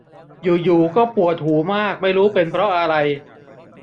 อยู่อยู่ก็ปวดหูมากไม่รู้เป็นเพราะอะไร